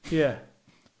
Ie.